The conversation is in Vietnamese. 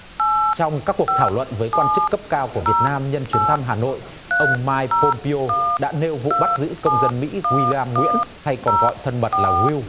trong các cuộc thảo luận với quan chức cấp cao của việt nam nhân chuyến thăm hà nội ông mai bôm bi ô đã nêu vụ bắt giữ công dân mỹ quy li am nguyễn hay còn gọi thân mật là viu